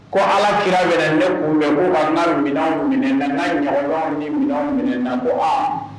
Ko ala kira minɛ ne kun mɛn' minɛn minɛɛna ɲaga ni minɛn minɛ nabɔ wa